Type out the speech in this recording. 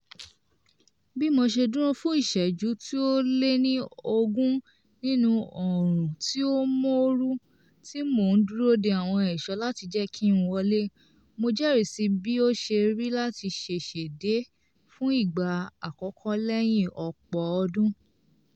Bí mo ṣe dúró fún ìṣẹ́jú tí ó lé ní ogún nínú oòrùn tí ó móoru tí mò ń dúró dé àwọn ẹ̀ṣọ́ láti jẹ́ kí n wọlé, mo jẹ́rìí sí bí ó ṣe rí láti ṣẹ̀ṣẹ̀ dé fún ìgbà àkọ́kọ́ lẹ́yìn ọ̀pọ̀ ọdún.